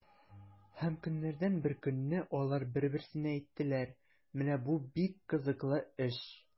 Һәм көннәрдән бер көнне алар бер-берсенә әйттеләр: “Менә бу бик кызыклы эш!”